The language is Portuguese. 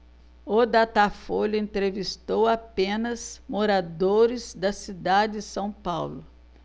o datafolha entrevistou apenas moradores da cidade de são paulo